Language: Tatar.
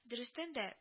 Дөрестән дә